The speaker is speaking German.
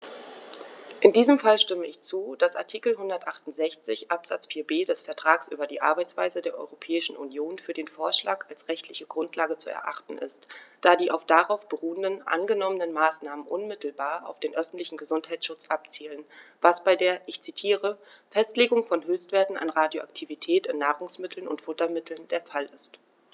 In diesem Fall stimme ich zu, dass Artikel 168 Absatz 4b des Vertrags über die Arbeitsweise der Europäischen Union für den Vorschlag als rechtliche Grundlage zu erachten ist, da die auf darauf beruhenden angenommenen Maßnahmen unmittelbar auf den öffentlichen Gesundheitsschutz abzielen, was bei der - ich zitiere - "Festlegung von Höchstwerten an Radioaktivität in Nahrungsmitteln und Futtermitteln" der Fall ist.